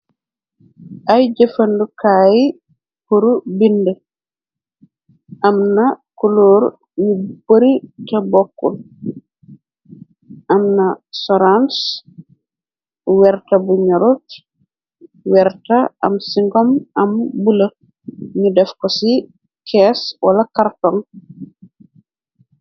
Ay jëfandukaayi purr bind. Am na kuloor yu bari te bokkul. Am na sarans werta bu ñorut werta. Am singom am bulë ñu def ko ci kees wala karton.